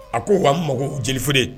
A ko wa nmako